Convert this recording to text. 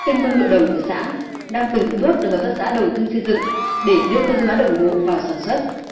kênh mương nội đồng của xã đang từng bước được hợp tác xã đầu tư xây dựng để đưa cơ giới hóa đồng bộ vào sản xuất